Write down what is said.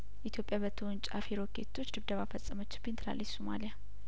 ኢትዮጵያ በተወንጫፊ ሮኬቶች ድብደባ ፈጸመችብኝት ላለች ሶማሊያ